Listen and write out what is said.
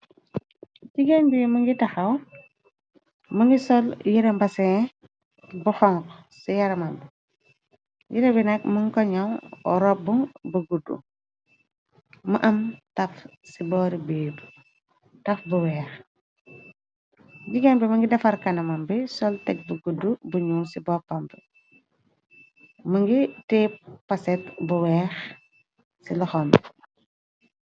Jigéen bi mu ngi taxaw më ngi sol yirambaseen bu xonku ci yaramam bi yira bi nag muñ koñow ropb bu guddu ma am taf ci boori bii b taf bu weex jigéen bi mi ngi defar kanamam bi sol teg bu gudd buñu ci boppam b mi ngi teep paset bu weex ci loxom.